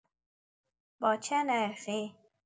با چه نرخی؟